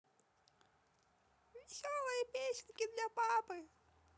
веселые песенки для папы